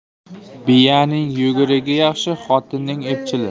biyaning yugurigi yaxshi xotinning epchili